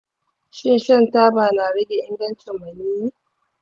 shin shan taba na rage ingancin maniyyi?